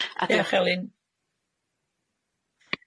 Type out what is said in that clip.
A diolch Elin.